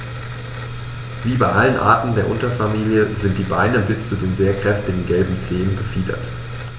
Wie bei allen Arten der Unterfamilie sind die Beine bis zu den sehr kräftigen gelben Zehen befiedert.